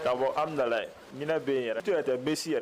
Ka bɔ amida ɲin bɛ yen to yɛrɛ tɛ bɛsi yɛrɛ